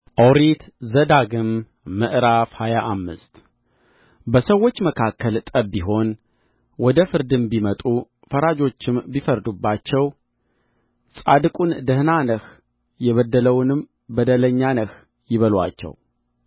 ኦሪት ዘዳግም ምዕራፍ ሃያ አምስት በሰዎች መካከል ጠብ ቢሆን ወደ ፍርድም ቢመጡ ፈራጆችም ቢፈርዱባቸው ጻድቁን ደኅና ነህ የበደለውንም በደለኛ ነህ ይበሉአቸው